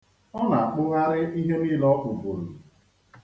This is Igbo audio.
Ọ na-akpụgharị ihe niile ọ kpuburu.